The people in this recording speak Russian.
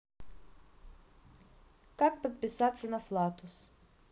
как подписаться на флатус